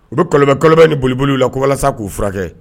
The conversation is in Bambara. U kɔlɔ kɔlɔ ni bolibolow la ko walasa k'u furakɛ